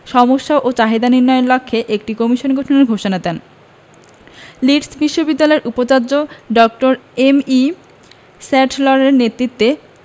সমস্যা ও চাহিদা নির্ণয়ের লক্ষ্যে একটি কমিশন গঠনের ঘোষণা দেন লিড্স বিশ্ববিদ্যালয়ের উপাচার্য ড. এম.ই স্যাডলারের নেতৃত্বে